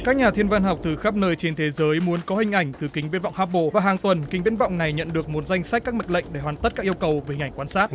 các nhà thiên văn học từ khắp nơi trên thế giới muốn có hình ảnh từ kính viễn vọng hóp bồ và hàng tuần kính viễn vọng này nhận được một danh sách các mệnh lệnh để hoàn tất các yêu cầu về ngành quan sát